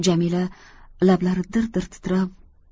jamila lablari dir dir titrab